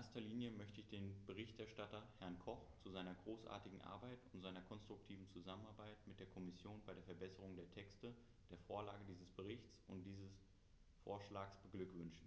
In erster Linie möchte ich den Berichterstatter, Herrn Koch, zu seiner großartigen Arbeit und seiner konstruktiven Zusammenarbeit mit der Kommission bei der Verbesserung der Texte, der Vorlage dieses Berichts und dieses Vorschlags beglückwünschen;